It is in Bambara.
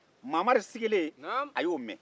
mamari sigilen y'o mɛn